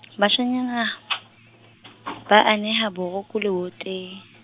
bashanyana , ba aneha boroku leboteng.